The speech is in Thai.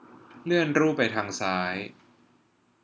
เลื่อนรูปไปทางซ้าย